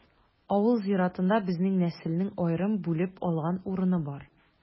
Авыл зиратында безнең нәселнең аерым бүлеп алган урыны бар.